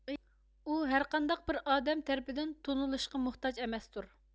ئۇ ھەرقانداق بىر ئادەم تەرىپىدىن تونۇلۇشقا موھتاج ئەمەستۇر